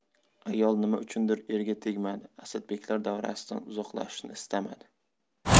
ayol nima uchundir erga tegmadi asadbeklar davrasidan uzoqlashishni istamadi